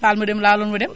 laal mu dem laalul mu dem